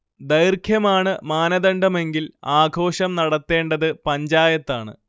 ദൈർഘ്യമാണ് മാനദണ്ഡമെങ്കിൽ ആഘോഷം നടത്തേണ്ടത് പഞ്ചായത്താണ്